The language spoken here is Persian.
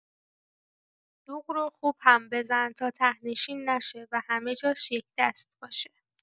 دوغ رو خوب هم بزن تا ته‌نشین نشه و همه‌جاش یکدست باشه.